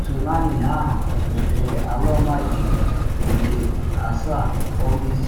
Tsunami ahụ sotere ala ọmajiji ike 7.5.